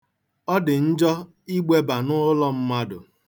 Ọ dị njọ igbeba n'ụlọ mmadụ.